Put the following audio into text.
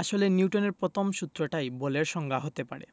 আসলে নিউটনের প্রথম সূত্রটাই বলের সংজ্ঞা হতে পারে